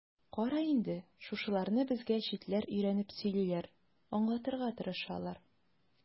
Кара инде, шушыларны безгә читләр өйрәнеп сөйлиләр, аңлатырга тырышалар.